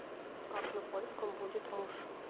как на польском будет муж